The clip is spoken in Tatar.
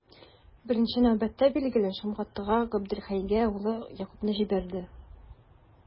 Беренче нәүбәттә, билгеле, Шомгатыга, Габделхәйгә улы Якубны җибәрде.